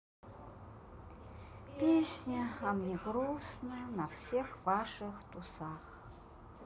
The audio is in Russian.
песня а мне грустно на всех ваших тусах